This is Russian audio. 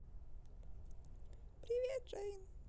привет джейн